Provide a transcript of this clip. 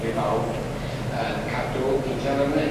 ... i bawb yn cadw injan ddyrnu.